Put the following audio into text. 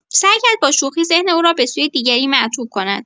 سعی کرد با شوخی ذهن او را به سوی دیگری معطوف کند.